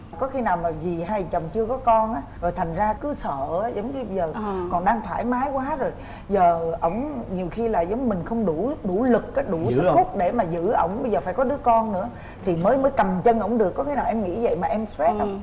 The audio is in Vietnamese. có khi nào mà gì hai dợ chồng chưa có con á rồi thành ra cứ sợ ý giống như giờ ờ còn đang thoải mái quá rồi giờ ổng nhiều khi là giống mình không đủ đủ lực á đủ sức hút để mà giữ ổng bây giờ phải có đứa con nữa thì mới mới cầm chân ổng được có khi nào em nghĩ dậy mà em sờ troét không